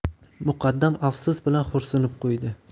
muqaddam afsus bilan xo'rsinib qo'ydi